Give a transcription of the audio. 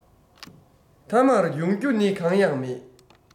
མཐའ མར ཡོང རྒྱུ ནི གང ཡང མེད